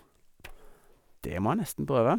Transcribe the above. Det må jeg nesten prøve.